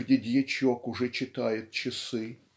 где дьячок уже читает часы".